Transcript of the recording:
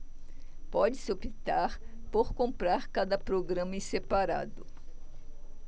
pode-se optar por comprar cada programa em separado